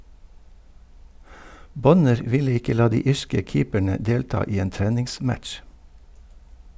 Bonner ville ikke la de irske keeperne delta i en treningsmatch.